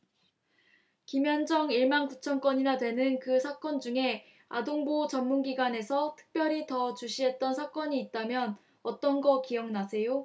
김현정 일 만 구천 건이나 되는 그 사건 중에 아동보호 전문기관에서 특별히 더 주시했던 사건이 있다면 어떤 거 기억나세요